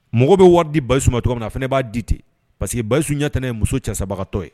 Mɔgɔ bɛ wari di basi suma ma cogo min na fana ne b'a di ten pa queseke basiya tɛɛnɛ ye muso cɛ sababagatɔ ye